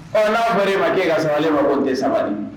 Ɔ n'aa fɔra e ma k'e ka sabali e b'a fɔ ko n te sabali